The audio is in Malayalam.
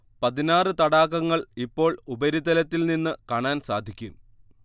പതിനാറ് തടാകങ്ങൾ ഇപ്പോൾ ഉപരിതലത്തിൽ നിന്ന് കാണാൻ സാധിക്കും